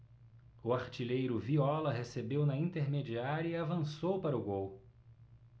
o artilheiro viola recebeu na intermediária e avançou para o gol